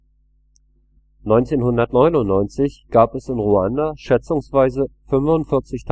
1999 gab es in Ruanda schätzungsweise 45.000